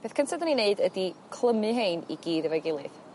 {eth cynta 'dyn ni'n neud ydi clymu 'hein i gyd efo'i gilydd.